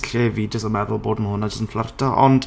lle fi jyst yn meddwl bod ma' hwnna jyst yn fflyrto ond...